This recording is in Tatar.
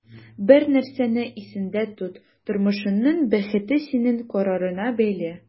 Бер нәрсәне исеңдә тот: тормышыңның бәхете синең карарыңа бәйле.